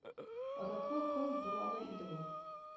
Атаклы ком бураны иде бу